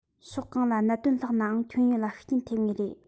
ཕྱོགས གང ལ གནད དོན ལྷགས ནའང ཁྱོན ཡོངས ལ ཤུགས རྐྱེན ཐེབས ངེས རེད ཨང